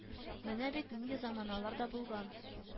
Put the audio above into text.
Менә бит нинди заманалар да булган